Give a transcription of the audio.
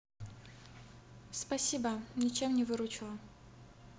спасибо ничем не выручила